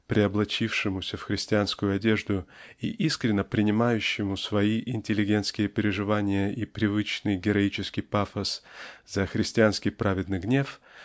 переоблачившемуся в христианскую одежду и искренно принимающему свои интеллигентские переживания и привычный героический пафос за христианский праведный гнев